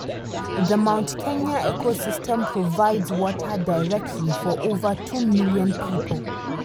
The Mount Kenya ecosystem provides water directly for over two million people.